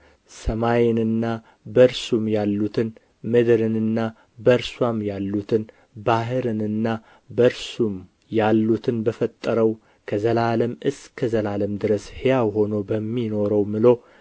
ሰማይንና በእርሱም ያሉትን ምድርንና በእርስዋም ያሉትን ባሕርንና በእርሱም ያሉትን በፈጠረው ከዘላለምም እስከ ዘላለም ድረስ ሕያው ሆኖ በሚኖረው ምሎ